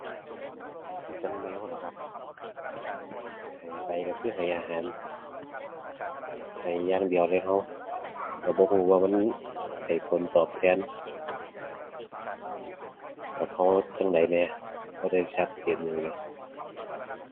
คือจั่งแมวล่ะครับ ให้ไปก็คือให้อาหาร ให้อย่างเดียวเลยก็ ก็บ่ก็ว่ามันให้ผลตอบแทนกับก็จั่งใดแหน่ บ่ได้ชัดเจนหยังเลย